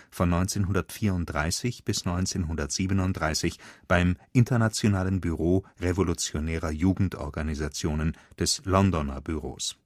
von 1934 bis 1937 beim Internationalen Büro revolutionärer Jugendorganisationen des Londoner Büros